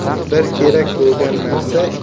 bir kerak bo'lgan narsa